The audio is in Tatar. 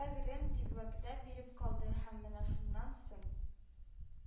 Бәгърем, дип, вәгъдә биреп калды һәм менә шуннан соң,